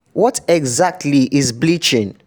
What exactly is bleaching?